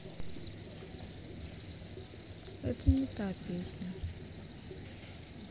нет это не та песня